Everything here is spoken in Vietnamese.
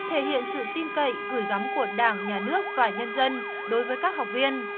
thể hiện sự tin cậy gửi gắm của đảng nhà nước và nhân dân đối với các học viên